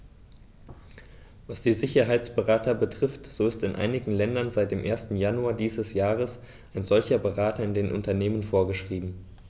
Was die Sicherheitsberater betrifft, so ist in einigen Ländern seit dem 1. Januar dieses Jahres ein solcher Berater in den Unternehmen vorgeschrieben.